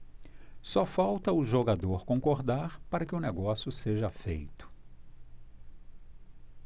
só falta o jogador concordar para que o negócio seja feito